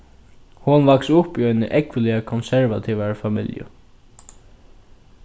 hon vaks upp í eini ógvuliga konservativari familju